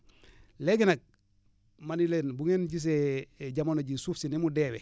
léegi nag ma ni leen bu ngeen gisee jamono jii suuf si ni mu deewee